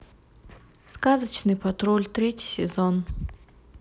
сказочный патруль третий сезон